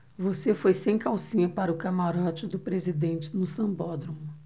você foi sem calcinha para o camarote do presidente no sambódromo